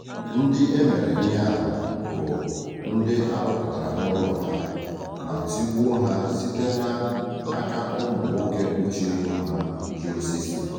Ndị e mere ihe ahụ bụ ndị a dọpụtara n'ụlọ ha ma tigbuo ha site n'aka ụmụ nwoke kpuchiri ihu ji osisi.